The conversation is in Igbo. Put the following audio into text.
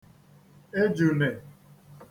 ejùnè